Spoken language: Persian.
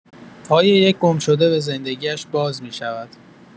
پای یک گمشده به زندگی‌اش باز می‌شود.